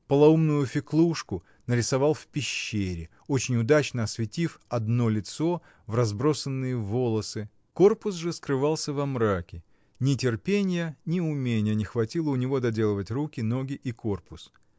Полоумную Феклушу нарисовал в пещере, очень удачно осветив одно лицо и разбросанные волосы, корпус же скрывался во мраке: ни терпенья, ни уменья не хватило у него доделывать руки, ноги и корпус.